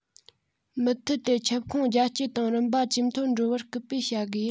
མུ མཐུད དེ ཁྱབ ཁོངས རྒྱ བསྐྱེད དང རིམ པ ཇེ མཐོར འགྲོ བར སྐུལ སྤེལ བྱ དགོས